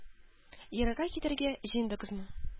Еракка китәргә җыендыгызмы?